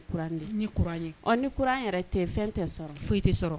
Niuran yɛrɛ tɛ fɛn tɛ sɔrɔ foyi tɛ